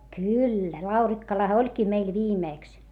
kyllä Laurikkalahan olikin meillä viimeksi